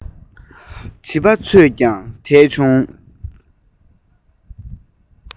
བྱིས པ ཚོས ཀྱང ང གཉིས དེད བྱུང